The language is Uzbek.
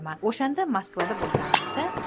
o'shanda moskvada bo'lganimizda